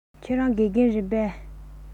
ཁྱེད རང དགེ རྒན རེད པས